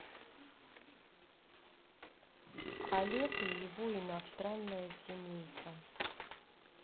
олег и его иностранная семейка